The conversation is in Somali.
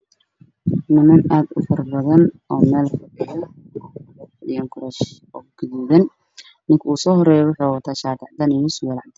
Niman aad u fara badan oo meel fadhiyo ku fadhiyo kuraas oo guduudan ninka ugu soo horeeyo wuxuu wataa shaati cadaan iyo surwaal cadaan